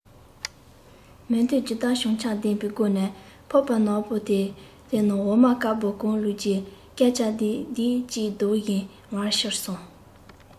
མོས དུས རྒྱུན ལྟར བྱང ཆ ལྡན པའི སྒོ ནས ཕོར པ ནག པོ དེའི ནང འོ མ དཀར པོ གང བླུགས རྗེས སྐད ཆ ལྡབ ལྡིབ ཅིག ཟློ བཞིན མར ཕྱིན སོང